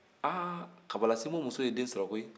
aa kabala sinbo muso ye den sɔrɔ koyi